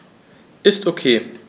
Ist OK.